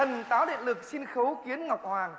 thần táo điện lực xin khấu kiến ngọc hoàng